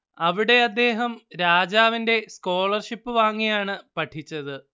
അവിടെ അദ്ദേഹം രാജാവിന്റെ സ്കോളർഷിപ്പ് വാങ്ങിയാണ് പഠിച്ചത്